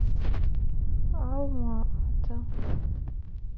алма ата